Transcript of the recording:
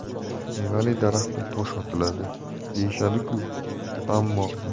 mevali daraxtga tosh otiladi deyishadi ku ammo